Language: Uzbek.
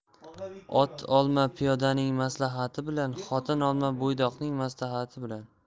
ot olma piyodaning maslahati bilan xotin olma bo'ydoqning maslahati bilan